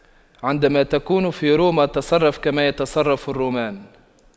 عندما تكون في روما تصرف كما يتصرف الرومان